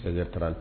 Sariya taara tɛ